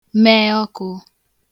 meọkụ̄